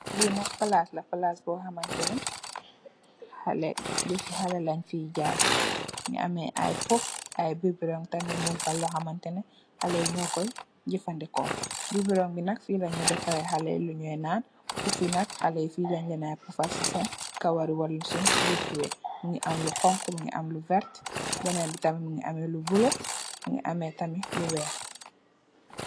Lii nak plaat la, plaat bor hamanteh neh haleh , yeufi haleh len fii jaii, mungy ameh aiiy puff, aiiy bibiron tamit mung fa yohr hamanteh neh haleh yii njur koi jeufandehkor, bibiron bii nak fii leh njur defareh haleh yii lu njur nan, puff yii nak haleh yii fii lengh leh na puff wal cii sehn kawarr wala sungh lehtu weeh, mungy ameh lu honhu, mungy am lu vert, benen bi tamit mungy ameh lu bleu, mungy ameh tamit lu wekh.